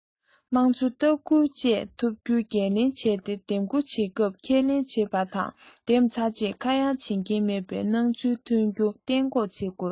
དམངས གཙོ ལྟ སྐུལ བཅས ཐུབ རྒྱུའི འགན ལེན བྱས ཏེ འདེམས བསྐོ བྱེད སྐབས ཁས ལེན བྱེད པ དང བདམས ཚར རྗེས ཁ ཡ བྱེད མཁན མེད པའི སྣང ཚུལ ཐོན རྒྱུ གཏན འགོག བྱེད དགོས